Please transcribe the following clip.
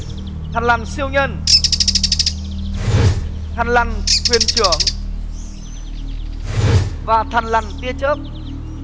thằn lằn siêu nhân thằn lằn thuyền trưởng và thằn lằn tia chớp